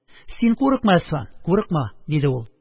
Син курыкма, Әсфан, курыкма, – диде ул,